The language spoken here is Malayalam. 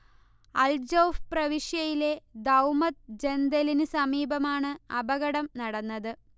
അൽജൗഫ് പ്രവിശ്യയിലെ ദൗമത്ത് ജൻദലിന് സമീപമാണ് അപകടം നടന്നത്